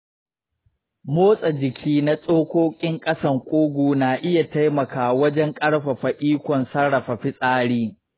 motsa jiki na tsokokin ƙasan ƙugu na iya taimaka wajen ƙarfafa ikon sarrafa fitsari.